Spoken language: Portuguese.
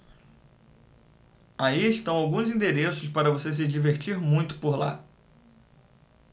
aí estão alguns endereços para você se divertir muito por lá